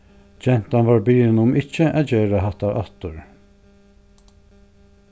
gentan var biðin um ikki at gera hatta aftur